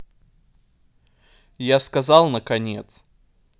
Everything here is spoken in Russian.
я сказал наконец